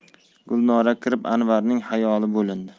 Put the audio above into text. gulnora kirib anvarning xayoli bo'lindi